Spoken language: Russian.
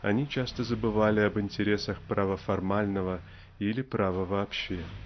они часто забывали об интересах права формального или права вообще.